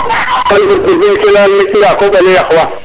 *